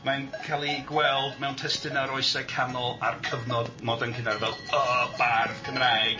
Mae'n cael ei gweld mewn testunau o'r oesau canol a'r cyfnod modern cynnar fel y bardd Cymraeg.